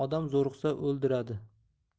odam zo'riqsa o'ldiradi